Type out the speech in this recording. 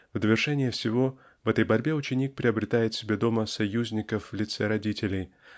В довершение всего в этой борьбе ученик приобретает себе дома союзников в лице родителей